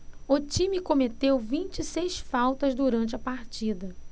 o time cometeu vinte e seis faltas durante a partida